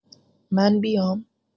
من بیام؟